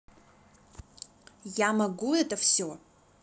я могу это все